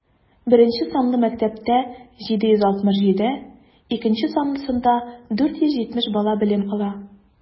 Беренче санлы мәктәптә - 767, икенче санлысында 470 бала белем ала.